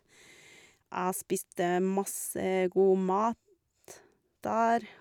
Jeg spiste masse god mat der.